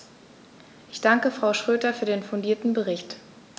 Ich danke Frau Schroedter für den fundierten Bericht.